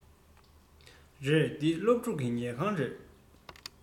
རེད འདི སློབ ཕྲུག གི ཉལ ཁང རེད